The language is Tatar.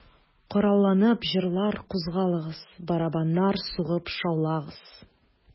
Коралланып, җырлар, кузгалыгыз, Барабаннар сугып шаулагыз...